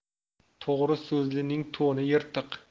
to'g'ri so'zlining to'ni yirtiq